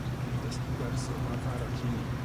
yn dysgu gwers o fath arall i ni?